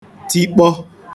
tikpọ